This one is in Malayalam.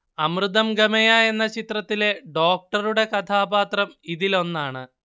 അമൃതം ഗമയ എന്ന ചിത്രത്തിലെ ഡോക്ടറുടെ കഥാപാത്രം ഇതിലൊന്നാണ്